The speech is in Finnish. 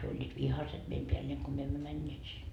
he olivat vihaiset meidän päälleen kun me emme menneet sinne